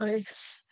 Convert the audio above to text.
Oes.